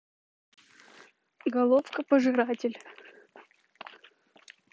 головка пожиратель